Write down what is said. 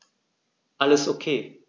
Alles OK.